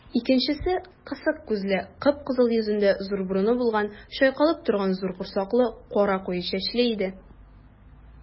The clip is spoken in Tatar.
Икенчесе кысык күзле, кып-кызыл йөзендә зур борыны булган, чайкалып торган зур корсаклы, кара куе чәчле иде.